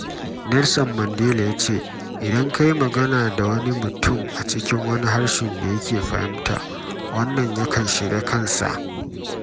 Nelson Mandela ya ce: “Idan ka yi magana da wani mutum a cikin wani harshe da yake fahimta, wannan yakan shiga kansa.